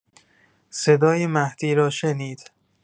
صدای مهدی را شنید.